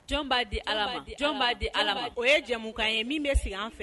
Jɔn ba di ala ma. O ye jɛmukan ye min bi sigi an fɛ yan.